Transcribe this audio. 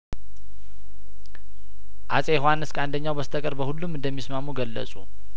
አጼ ዮሀንስ ከአንደኛው በስተቀር በሁሉም እንደሚስማሙ ገለጹ